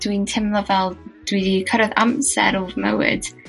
dwi'n teimlo fel dwi 'di cyrredd amser o fy mywyd